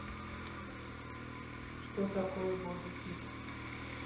что такое body kit